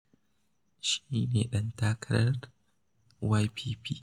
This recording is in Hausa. Shi ne ɗan takarar YPP.